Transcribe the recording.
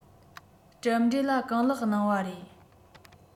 གྲུབ འབྲས ལ གང ལེགས གནང བ རེད